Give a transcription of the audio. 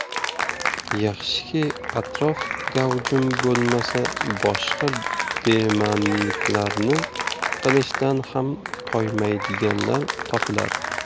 yaxshiki atrof gavjum bo'lmasa boshqa bema'niliklarni qilishdan ham toymaydiganlar topilar